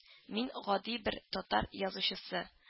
Мин гади бер татар язучысы